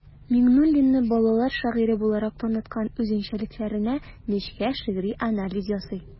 Миңнуллинны балалар шагыйре буларак таныткан үзенчәлекләренә нечкә шигъри анализ ясый.